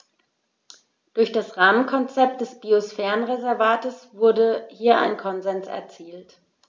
Durch das Rahmenkonzept des Biosphärenreservates wurde hier ein Konsens erzielt.